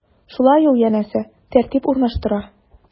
Шулай ул, янәсе, тәртип урнаштыра.